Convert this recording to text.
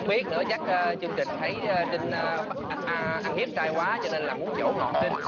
biết nữa chắc chương trình thấy gia đình à à ăn hiếp trai quá cho nên là muốn dỗ ngọt trinh